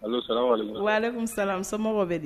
Allô salamu aleyikum Walekun salamu somɔgɔw bɛ di.